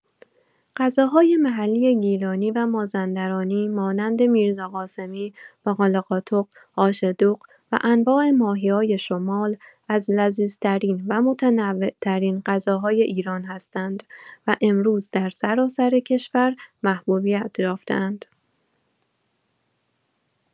غذاهای محلی گیلانی و مازندرانی مانند میرزاقاسمی، باقلاقاتق، آش دوغ و انواع ماهی‌های شمال، از لذیذترین و متنوع‌ترین غذاهای ایران هستند و امروز در سراسر کشور محبوبیت یافته‌اند.